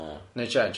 O. Neud change.